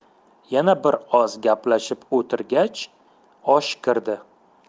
yana bir oz gaplashib o'tirishgach osh kirdi